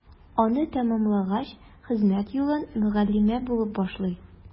Аны тәмамлагач, хезмәт юлын мөгаллимә булып башлый.